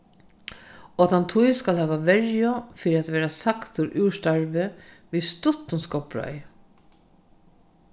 og at hann tí skal hava verju fyri at verða sagdur úr starvi við stuttum skotbrái